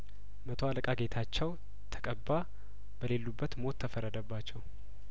መቶ አለቃ ጌታቸው ተቀባ በሌሉበት ሞት ተፈረደባቸው